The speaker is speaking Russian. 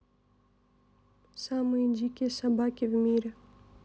самые дикие собаки в мире